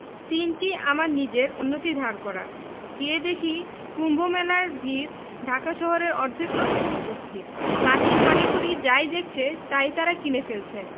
তিনটি আমার নিজের অন্যটি ধার করা গিয়ে দেখি কুম্ভমেলায় ভিড় ঢাকা শহরের অর্ধেক লোক এসে উপস্থিত মাটির হাঁড়িকুরি মাই দেখছে তাই তার কিনে ফেলছে